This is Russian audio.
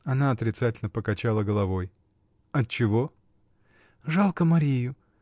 Она отрицательно покачала головой. — Отчего? — Жалко Марию.